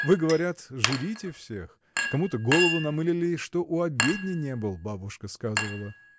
— Вы, говорят, журите всех: кому-то голову намылили, что у обедни не был, бабушка сказывала.